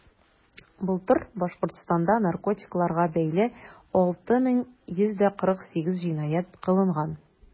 Былтыр Башкортстанда наркотикларга бәйле 6148 җинаять кылынган.